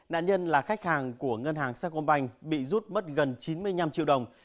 nạn nhân là khách hàng của ngân hàng xa cơm ban bị rút mất gần chín mươi nhăm triệu đồng